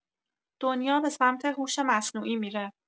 دنیا به سمت هوش مصنوعی می‌ره